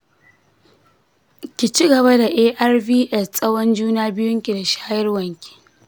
ki cigaba da arvs tsawon juna biyunki da shayarwanki.